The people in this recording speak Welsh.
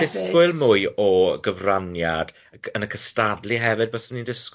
disgwyl mwy o gyfraniad g- yn y cystadlu hefyd byswn i'n disgwyl.